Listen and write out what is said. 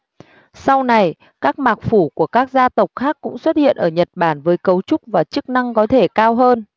sau này các mạc phủ của các gia tộc khác cũng xuất hiện ở nhật bản với cấu trúc và chức năng có thể cao hơn